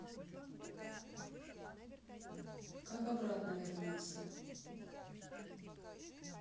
как обратно вернуться